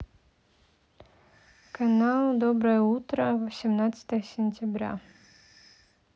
канал доброе утро восемнадцатое сентября